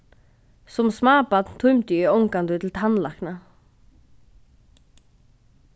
sum smábarn tímdi eg ongantíð til tannlækna